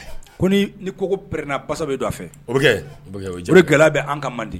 Ko ni koko pɛkna basa bɛ fɛ o bɛ kɛ joli gɛlɛya bɛ an ka man di